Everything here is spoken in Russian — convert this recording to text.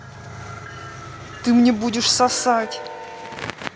ты мне будешь сосать